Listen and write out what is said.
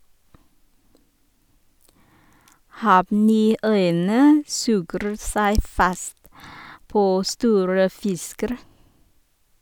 Hav-niøyene suger seg fast på store fisker.